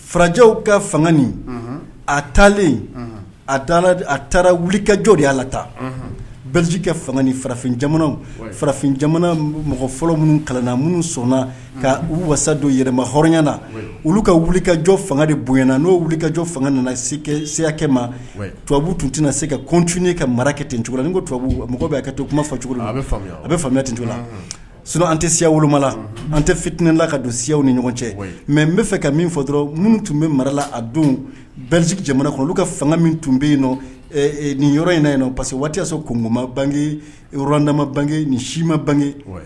Farajw ka fanga a taalen a taara wulikajɔ de y' la ta kɛ farafinja farafinja mɔgɔ fɔlɔ minnu kalanna minnu sɔnna ka u wasa don yɛrɛma hɔrɔnya na olu ka wulikajɔ fanga de bonyay na n'o wuli kajɔ fanga nana siyakɛ ma tubabubu tun tɛna se ka kun tun ka marakɛ tencogo la n kobabu bɛ a ka to kuma fɔcogo la a bɛ fa ten tu la s sun an tɛ siya wolomala an tɛ fitla ka don siyaw ni ɲɔgɔn cɛ mɛ n bɛ fɛ ka min fɔ dɔrɔn minnu tun bɛ marala a don jamana kɔnɔ olu ka fanga min tun bɛ yen nin yɔrɔ in ɲɛna yen parce waati y'a sɔrɔ ko bangedama bange nin si ma bange